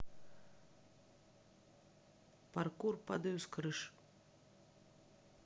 паркур падаю с крыш